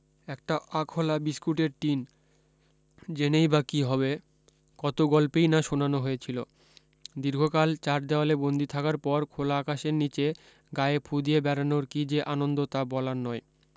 একটা আখোলা বিস্কুটের টিন জেনই বা কী হবে কত গল্পেই না শোনানো হয়েছিলো দীর্ঘকাল চার দেওয়ালে বন্দি থাকার পর খোলা আকাশের নীচে গায়ে ফুঁ দিয়ে বেড়ানোর কী যে আনন্দ তা বলার নয়